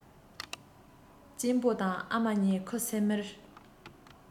གཅེན པོ དང ཨ མ གཉིས ཁུ སིམ མེར